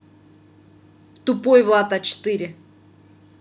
тупой влад а четыре